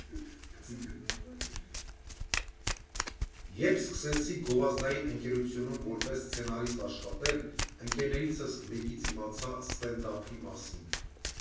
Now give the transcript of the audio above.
Երբ սկսեցի գովազդային ընկերությունում որպես սցենարիստ աշխատել, ընկերներիցս մեկից իմացա ստենդափի մասին։